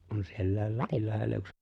kun sielläkin Lapinlahdella yksi